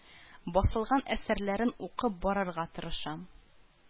Басылган әсәрләрен укып барырга тырышам